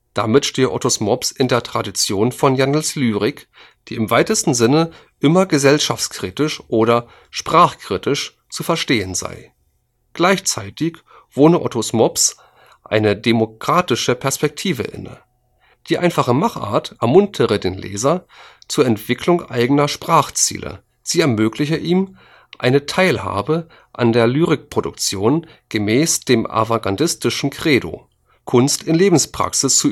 Damit stehe ottos mops in der Tradition von Jandls Lyrik, die im weitesten Sinne immer gesellschaftskritisch oder sprachkritisch zu verstehen sei. Gleichzeitig wohne ottos mops eine demokratische Perspektive inne: die einfache Machart ermuntere den Leser zur Entwicklung eigener Sprachspiele, sie ermögliche ihm eine Teilhabe an der Lyrikproduktion gemäß dem avantgardistischen Credo, Kunst in Lebenspraxis